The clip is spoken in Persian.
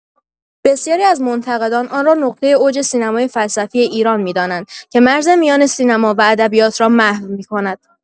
بسیاری از منتقدان، آن را نقطۀ اوج سینمای فلسفی ایران می‌دانند که مرز میان سینما و ادبیات را محو می‌کند.